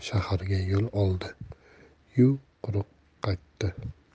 shaharga yo'l oldi yu quruq qaytdi